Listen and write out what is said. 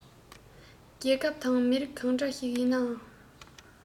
རྒྱལ ཁབ དང མི རིགས གང འདྲ ཞིག ཡིན ནའང